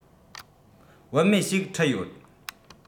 བུད མེད ཞིག ཁྲིད ཡོད